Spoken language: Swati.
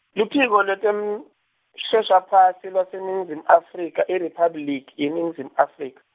Luphiko lweTemshoshaphasi lwaseNingizimu Afrika IRiphabliki yeNingizimu Afrika.